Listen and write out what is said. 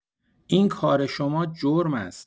این کار شما جرم است.